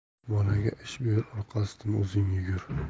bolaga ish buyur orqasidan o'zing yugur